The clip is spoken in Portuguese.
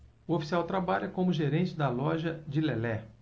o oficial trabalha como gerente da loja de lelé